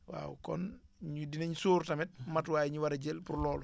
waaw kon ñuy dinañ sóor tamit matuwaay yi ñu war a jël pour loolu